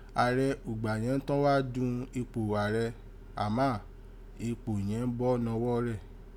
Aarẹ ùgbà yẹ̀n tọ́n wa dùn ipo aarẹ, àmá ipo yẹ̀n bọ́ nọwọ́ rẹ̀.